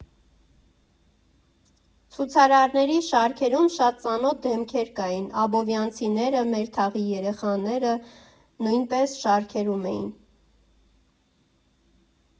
Ցուցարարների շարքերում շատ ծանոթ դեմքեր կային, աբովյանցիները, մեր թաղի երեխաները նույնպես շարքերում էին։